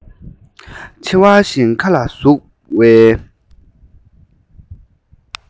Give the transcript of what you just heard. མཆེ བ བཞིན མཁའ ལ ཟུག བའི